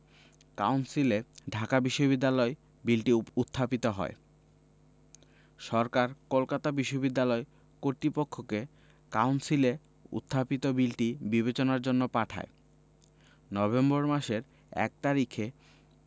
কাউন্সিলে ঢাকা বিশ্ববিদ্যালয় বিলটি উত্থাপিত হয় সরকার কলকাতা বিশ্ববিদ্যালয় কর্তৃপক্ষকে কাউন্সিলে উত্থাপিত বিলটি বিবেচনার জন্য পাঠায় নভেম্বর মাসের ১ তারিখে